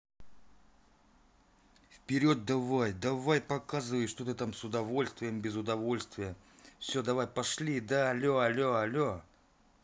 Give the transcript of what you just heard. вперед давай давай показывай что ты там с удовольствием без удовольствия все давай пошли да алле алле алле алле